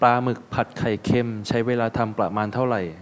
ปลาหมึกผัดไข่เค็มใช้เวลาทำประมาณเท่าไหร่